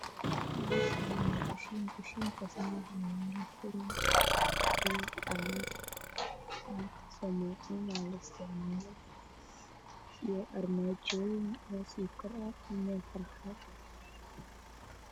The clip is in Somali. Meeshaan wajiko waxaa iga muuqdo jawaano fara badan oo ay ku jiraan raashin